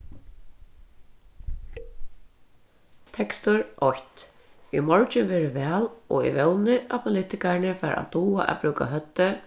tekstur eitt í morgin verður val og eg vóni at politikararnir fara at duga at brúka høvdið